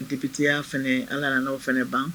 Dibitiya fana alar n'aw fana ban